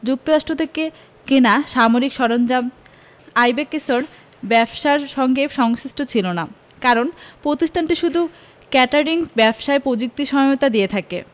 যুক্তরাষ্ট্র থেকে কেনা সামরিক সরঞ্জাম আইব্যাকেসর ব্যবসার সঙ্গে সংশ্লিষ্ট ছিল না কারণ পতিষ্ঠানটি শুধু কেটারিং ব্যবসায় পযুক্তি সহায়তা দিয়ে থাকে